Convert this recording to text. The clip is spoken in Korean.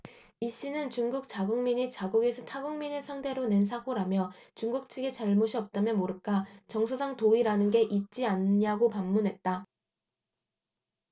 이씨는 중국 자국민이 자국에서 타국민을 상대로 낸 사고라며 중국 측의 잘못이 없다면 모를까 정서상 도의라는 게 있지 않냐고 반문했다